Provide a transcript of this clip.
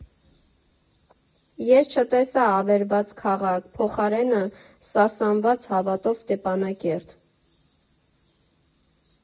Ես չտեսա ավերված քաղաք, փոխարենը՝ սասանված հավատով Ստեփանակերտ։